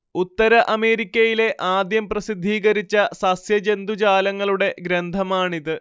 ഉത്തര അമേരിക്കയിലെ ആദ്യം പ്രസിദ്ധീകരിച്ച സസ്യ ജന്തുജാലങ്ങളുടെ ഗ്രന്ഥമാണിത്